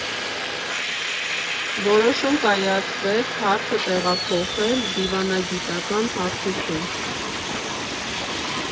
Որոշում կայացվեց հարցը տեղափոխել դիվանագիտական հարթություն։